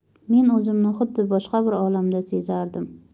men o'zimni xuddi boshqa bir olamda sezardim